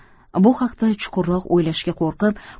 bu haqda chuqurroq o'ylashga qo'rqib